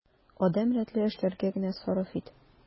Адәм рәтле эшләргә генә сарыф ит.